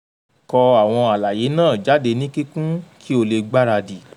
Kọ àwọn àlàyé náà jáde ní kíkún kí ó lè gbaradì.